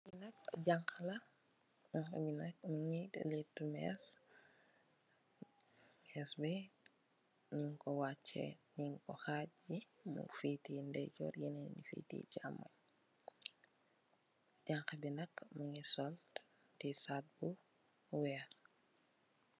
Jagla mogui letu mess mess bi mogko hach jagk bi mogui sol t shirt bu weah.